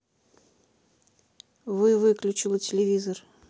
вы выключила телевизор